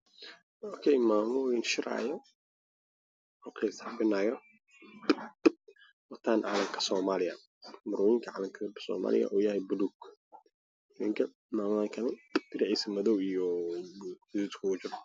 Meeshaan waxaa fadhiyo laba duq uu wataan dharkaaga soomaaliya oo gacmaha isku tumay